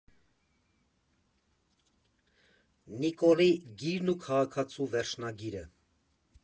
Նիկոլի գիրն ու քաղաքացու վերջնագիրը։